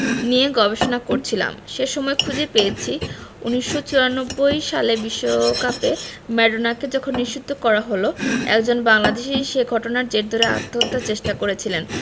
নিয়ে গবেষণা করছিলাম সে সময় খুঁজে পেয়েছি ১৯৯৪ বিশ্বকাপে ম্যারাডোনাকে যখন নিষিদ্ধ করা হলো একজন বাংলাদেশি সে ঘটনার জের ধরে আত্মহত্যার চেষ্টা করেছিলেন